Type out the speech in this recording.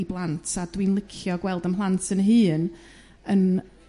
i blant a dwi'n licio gweld 'ym mhlant yn hun yn